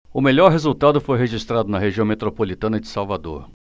o melhor resultado foi registrado na região metropolitana de salvador